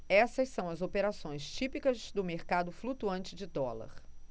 essas são as operações típicas do mercado flutuante de dólar